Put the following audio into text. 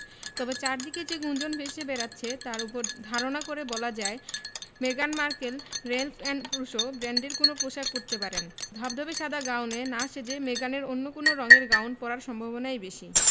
তবে চারদিকে যে গুঞ্জন ভেসে বেড়াচ্ছে তার ওপর ধারণা করে বলা যায় মেগান Markle Ralph and Russo ব্র্যান্ডের কোনো পোশাক পরতে পারেন ধবধবে সাদা গাউনে না সেজে মেগানের অন্য কোন রঙের গাউন পরার সম্ভাবনাই বেশি